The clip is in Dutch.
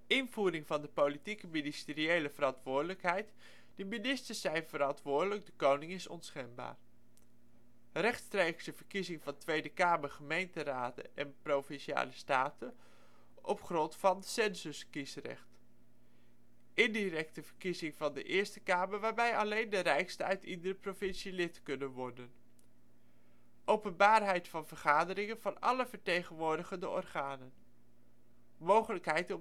invoering van de politieke ministeriële verantwoordelijkheid: de ministers zijn verantwoordelijk, de koning is onschendbaar rechtstreekse verkiezing van Tweede Kamer, gemeenteraden en Provinciale staten op grond van het censuskiesrecht indirecte verkiezing van de Eerste Kamer waarbij alleen de rijksten uit iedere provincie lid kunnen worden openbaarheid van vergaderingen van alle vertegenwoordigende organen mogelijkheid